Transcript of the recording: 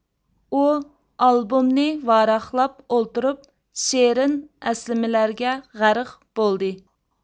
ئۇ ئالبومنى ۋاراقلاپ ئولتۇرۇپ شېرىن ئەسلىمىلەرگە غەرق بولدى